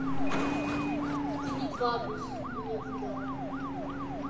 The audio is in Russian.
ты не 2gis мной выдала